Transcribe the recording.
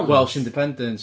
Welsh independance